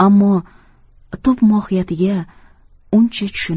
ammo tub mohiyatiga uncha tushunib